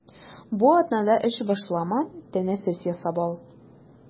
Бу атнада эш башлама, тәнәфес ясап ал.